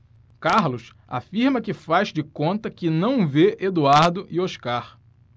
carlos afirma que faz de conta que não vê eduardo e oscar